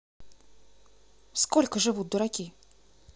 сколько живут дураки